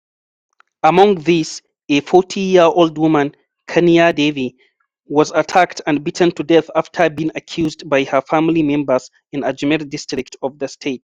Among these, a 40-year-old woman Kanya Devi was attacked and beaten to death after being accused by her family members in Ajmer district of the state.